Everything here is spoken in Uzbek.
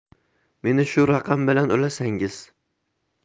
meni shu raqam bilan ulasangiz